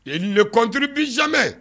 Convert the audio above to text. Ee ne kɔntri bijamɛ